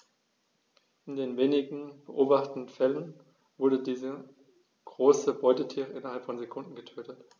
In den wenigen beobachteten Fällen wurden diese großen Beutetiere innerhalb von Sekunden getötet.